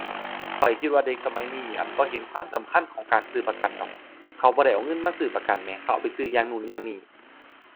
ข้อยคิดว่าเด็กสมัยนี้ อั่น บ่เห็นความสำคัญของการซื้อประกันดอก เขาบ่ได้เอาเงินมาซื้อประกันแหม เขาเอาไปซื้ออย่างนู้นอย่างนี้